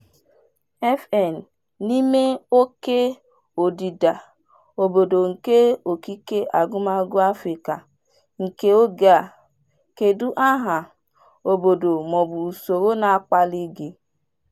FN: N'ime oke odida obodo nke okike agụmagụ Africa nke oge a, kedụ aha, obodo ma ọ bụ usoro na-akpali gị?